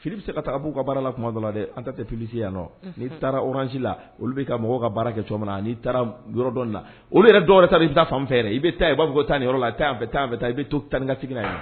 Fi filisi ka taa abu'u ka baara la kumada la dɛ an ta tɛ kisi yan nɔ n'i taara oransi la olu bɛ ka mɔgɔw ka baara kɛ cogo min na n'i taara yɔrɔdɔn la olu yɛrɛ dɔwɛrɛ ta' taa fanɛrɛ i bɛ taa b'a fɔ taa ni yɔrɔ a taa taa ta i bɛ to tan ni ka